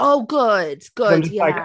Oh, good, good, yeah.